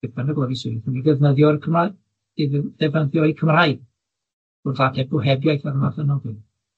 beth bynnag o'dd 'u swydd nw, i ddefnyddio'r Cymraeg i dd- ddefnyddio'u Cymraeg wrth ateb gohebiaith a'r math yna o beth,